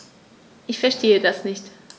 Ich verstehe das nicht.